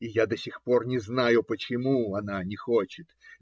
И я до сих пор не знаю, почему она не хочет.